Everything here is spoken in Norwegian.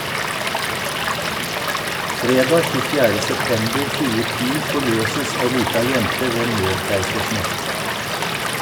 Fredag 24. september 2010 forløses ei lita jente ved nødkeisersnitt.